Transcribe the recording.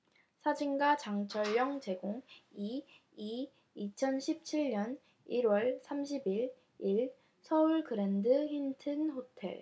사진가 장철영 제공 이 이 이천 칠 년 일 월 삼십 일 일 서울 그랜드 힐튼 호텔